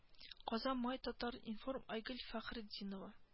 Казан май татар-информ айгөл фәхретдинова